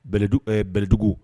Bɛlɛdugu bɛlɛdugu